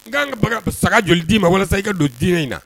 N ka baga saga joli d'i ma walasa i ka don diinɛ in na